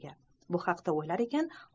bu haqda o'ylar ekan